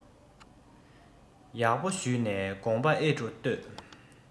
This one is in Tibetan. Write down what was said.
ཡག པོ ཞུས ནས དགོངས པ ཨེ སྤྲོ ལྟོས